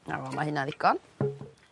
Na wel ma' hynna'n ddigon.